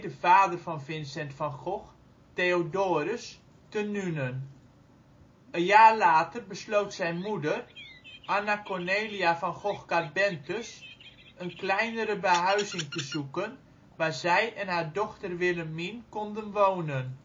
vader van Vincent van Gogh, Theodorus, te Nuenen. Een jaar later besloot zijn moeder, Anna-Cornelia van Gogh-Carbentus, een kleinere behuizing te zoeken waar zij en haar dochter Willemien konden wonen